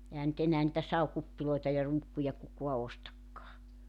eihän nyt enää niitä savikuppeja ja ruukkuja kukaan ostakaan